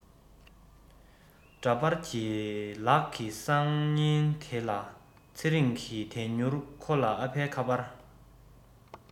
འདྲ པར གྱི ལག གི སང ཉིན དེ ལ ཚེ རིང གི དེ མྱུར ཁོ ལ ཨ ཕའི ཁ པར